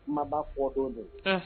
Kumaba fɔ don de don, unhun